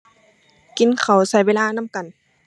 กินข้าว ใช้เวลานำกัน